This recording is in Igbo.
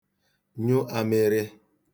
nyụ āmị̄rị̄